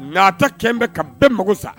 Nka ta kɛbɛn ka bɛɛ mago sa